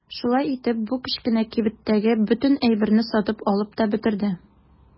Шулай итеп бу кечкенә кибеттәге бөтен әйберне сатып алып та бетерде.